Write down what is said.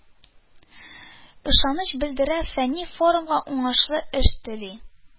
Ышаныч белдерә, фәнни форумга уңышлы эш тели